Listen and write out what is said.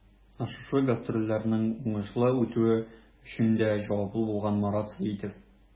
Шушы гастрольләрнең уңышлы үтүе өчен дә җаваплы булган Марат Сәитов.